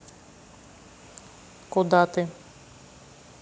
куда ты